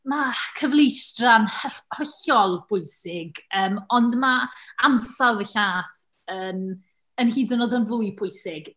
Ma' cyfleustra'n hyll- hollol bwysig, yym ond mae ansawdd y llaeth yn yn hyd yn oed yn fwy pwysig.